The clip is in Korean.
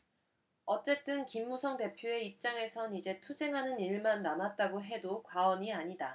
어쨌든 김무성 대표의 입장에선 이제 투쟁하는 일만 남았다고 해도 과언이 아니다